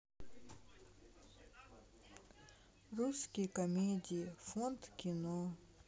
русские комедии фонд кино